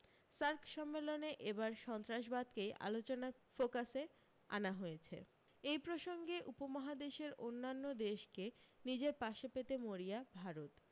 SAARC সম্মেলনে এবার সন্ত্রাসবাদকেই আলোচনার ফোকাসে আনা হয়েছে এই প্রসঙ্গে উপমহাদেশের অন্যান্য দেশকে নিজের পাশে পেতে মরিয়া ভারত